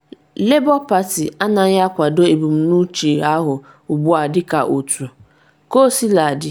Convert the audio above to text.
Labour Party anaghị akwado ebumnuche ahụ ugbu a dịka otu, kosiladị.